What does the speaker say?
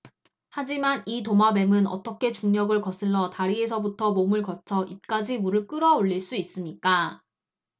하지만 이 도마뱀은 어떻게 중력을 거슬러 다리에서부터 몸을 거쳐 입까지 물을 끌어 올릴 수 있습니까